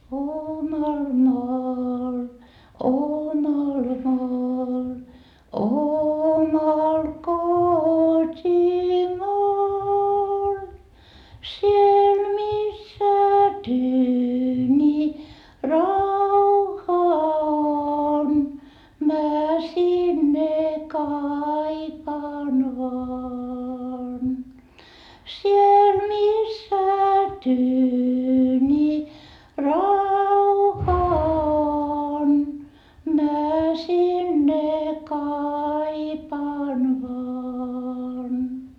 omalle maalle omalle maalle omalle kotimaalle siellä missä tyyni rauha on minä sinne kaipaan vain siellä missä tyyni rauha on minä sinne kaipaan vain